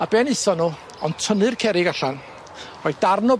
A be' neithon nw ond tynnu'r cerrig allan rhoi darn o